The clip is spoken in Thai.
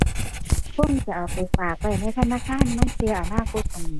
คงจะเอาไปฝากไว้ในธนาคารลางเที่ยอนาคต อั่น